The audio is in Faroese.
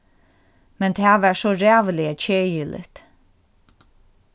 men tað var so ræðuliga keðiligt